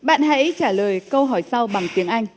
bạn hãy trả lời câu hỏi sau bằng tiếng anh